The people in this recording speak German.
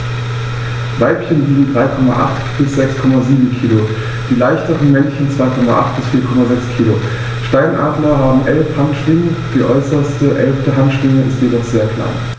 Weibchen wiegen 3,8 bis 6,7 kg, die leichteren Männchen 2,8 bis 4,6 kg. Steinadler haben 11 Handschwingen, die äußerste (11.) Handschwinge ist jedoch sehr klein.